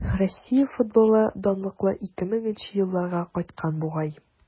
Россия футболы данлыклы 2000 нче елларга кайткан бугай.